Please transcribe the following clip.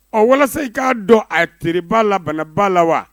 Ɔ walasa i k'a dɔn a ye teriba la banaba la wa